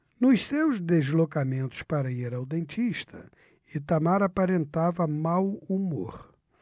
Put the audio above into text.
nos seus deslocamentos para ir ao dentista itamar aparentava mau humor